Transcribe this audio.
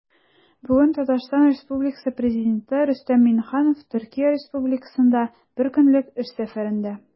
Бүген Татарстан Республикасы Президенты Рөстәм Миңнеханов Төркия Республикасында бер көнлек эш сәфәрендә.